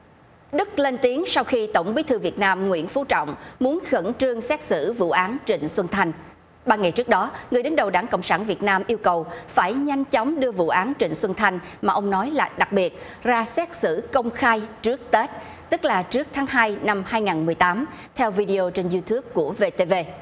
đức lên tiếng sau khi tổng bí thư việt nam nguyễn phú trọng muốn khẩn trương xét xử vụ án trịnh xuân thanh ba ngày trước đó người đứng đầu đảng cộng sản việt nam yêu cầu phải nhanh chóng đưa vụ án trịnh xuân thanh mà ông nói là đặc biệt ra xét xử công khai trước tết tức là trước tháng hai năm hai ngàn mười tám theo vi đi ô trên iu túp của vê tê vê